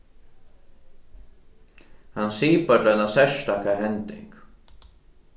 hann sipar til eina serstaka hending